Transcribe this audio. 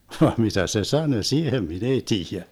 vaan mitä se sanoi siihen minä ei tiedä